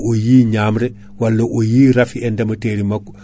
kala awdi ndi baɗɗa Aprostar tan ha e sewo sewoji